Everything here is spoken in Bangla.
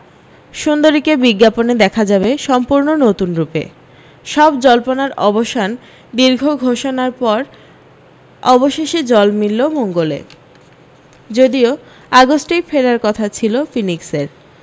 সুন্দরীকে বিজ্ঞাপনে দেখা যাবে সম্পূর্ণ নতুন রূপে সব জল্পনার অবসান দীর্ঘ গবেষণার পর অবশেষে জল মিলল মঙ্গলে যদিও আগস্টেই ফিরে আসার কথা ছিল ফিনিক্সের